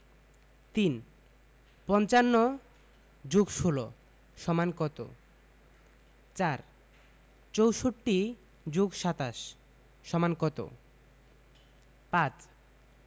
৩ ৫৫ + ১৬ = কত ৪ ৬৪ + ২৭ = কত ৫